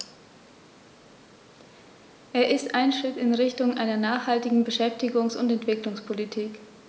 Er ist ein Schritt in Richtung einer nachhaltigen Beschäftigungs- und Entwicklungspolitik.